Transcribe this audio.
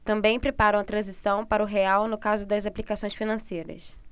também preparam a transição para o real no caso das aplicações financeiras